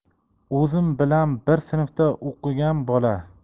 o'zim bilan bir sinfda o'qigan bola